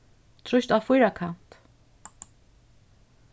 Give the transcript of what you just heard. trýst á fýrakant